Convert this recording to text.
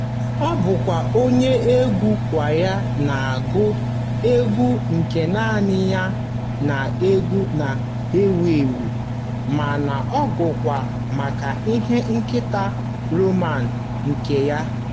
Ọ bụkwa onye egwu kwaya na ọgụ egwu nke naanị ya n'egwu na-ewu ewu ma na-agụkwa maka ihe nketa Roma nke ya.